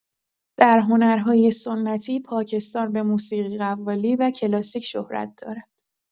در هنرهای سنتی، پاکستان به موسیقی قوالی و کلاسیک شهرت دارد.